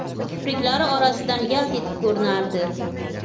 kipriklari orasidan yalt etib ko'rinardi